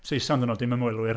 Saeson ydyn nhw dim ymwelwyr.